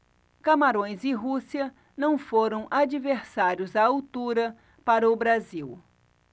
camarões e rússia não foram adversários à altura para o brasil